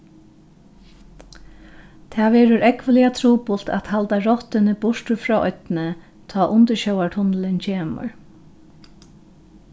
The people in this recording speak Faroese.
tað verður ógvuliga trupult at halda rottuni burtur frá oynni tá undirsjóvartunnilin kemur